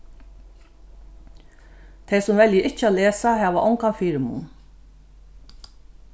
tey sum velja ikki at lesa hava ongan fyrimun